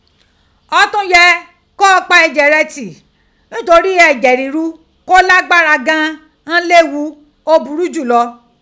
Ó tún yẹ kó o pa ẹ̀jẹ̀ rẹ tì, ntorí ghi ẹ̀jẹ̀ ríru kó lágbára gan an n leghu ó burú jù lọ.